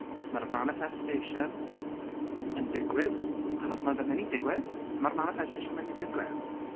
Os mae'r manifestation yn digwydd achos mae fe'n mynd i digwydd. Mae'r manifestation yn mynd i digwydd.